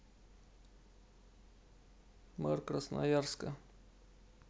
мэр красноярска